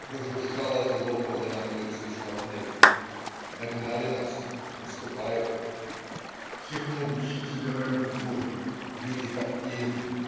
Прожужжала и лопнула над улицей шрапнель. Нагнали нас. Наступают. Всех могущих собирают в бой. Люди - как тени.